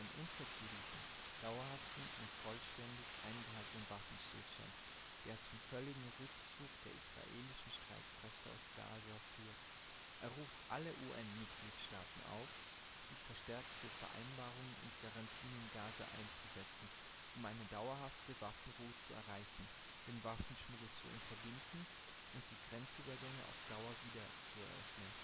unverzüglichen, dauerhaften und vollständig eingehaltenen Waffenstillstand, der zum völligen Rückzug der israelischen Streitkräfte aus Gaza führt. Er ruft alle UN-Mitgliedsstaaten auf, sich verstärkt für Vereinbarungen und Garantien in Gaza einzusetzen, um eine dauerhafte Waffenruhe zu erreichen, den Waffenschmuggel zu unterbinden und die Grenzübergänge auf Dauer wiederzueröffnen. Dauerhafte